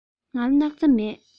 ང ལ སྣག ཚ མེད